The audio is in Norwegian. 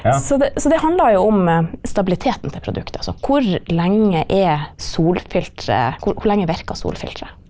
så det så det handler jo om stabiliteten til produktet, altså hvor lenge er solfilteret hvor hvor lenge virker solfilteret.